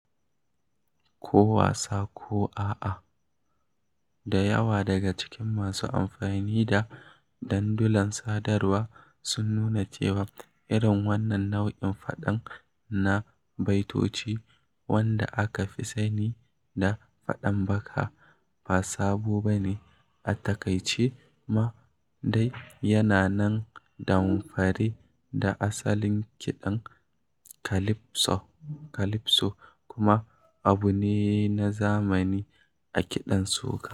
Ko wasa ko a'a, da yawa daga cikin masu amfani da dandulan sadarwa sun nuna cewa irin wannan nau'in faɗan na baitoci (wanda aka fi sani da "faɗan baka") ba sabo ba ne; a taƙaice ma dai, yana nan ɗamfare da asalin kiɗan calypso, kuma abu ne na zamani a kiɗan soca.